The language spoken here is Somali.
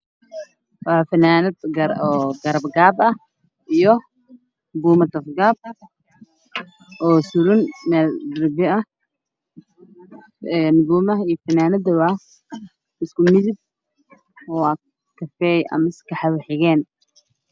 Waa funaanad Garbo gaab ah iyo buumo dabo gaab ah waxey suran yihiin daaqad